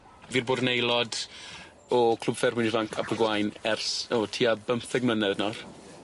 Fi 'di bor yn aelod o Clwb Ffermwyr Ifanc Abergwaun ers, o tua bymtheg mlynedd nawr.